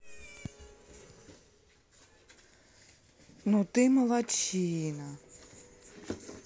ну ты молодчина